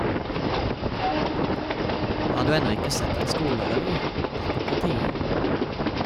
Har du ennå ikke sett en skolerevy, er det på tide.